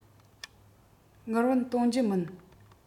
དངུལ བུན གཏོང རྒྱུ མིན